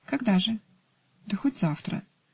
-- "Когда же?" -- "Да хоть завтра".